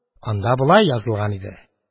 Анда болай язылган иде